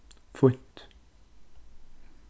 fínt